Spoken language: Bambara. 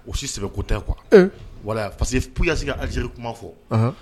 U si sɛ ko tɛ kuwa wala parcese ka aliz kuma fɔ